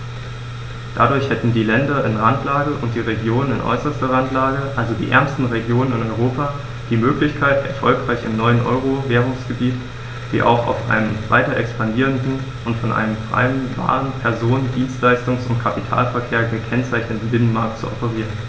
Dadurch hätten die Länder in Randlage und die Regionen in äußerster Randlage, also die ärmeren Regionen in Europa, die Möglichkeit, erfolgreich im neuen Euro-Währungsgebiet wie auch auf einem weiter expandierenden und von einem freien Waren-, Personen-, Dienstleistungs- und Kapitalverkehr gekennzeichneten Binnenmarkt zu operieren.